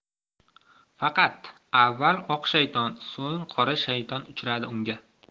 faqat avval oq shayton so'ng qora shayton uchradi unga